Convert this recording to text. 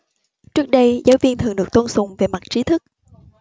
trước đây giáo viên thường được tôn sùng về mặt tri thức